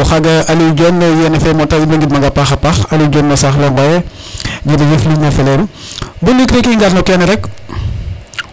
oxaga Aliou Dione yene fe mata in way ngid manga paax aliou Dione no saxle Ngoye jerejef ligne ne feleru bo ndik rek i ngar no kene rek